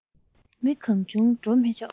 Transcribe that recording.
མི གང བྱུང འགྲོ མི ཆོག